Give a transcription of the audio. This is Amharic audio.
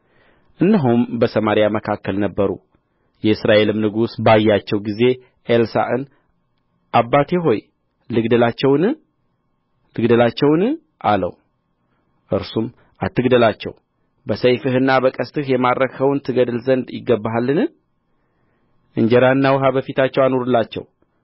እነሆም በሰማርያ መካከል ነበሩ የእስራኤልም ንጉሥ ባያቸው ጊዜ አልሳዕን አባቴ ሆይ ልግደላቸውን ልግደላቸውን አለው እርሱም አትግደላቸው በሰይፍህና በቀስትህ የማረክኸውን ትገድል ዘንድ ይገባሃልን እንጀራና ውኃ በፊታቸው አኑርላቸው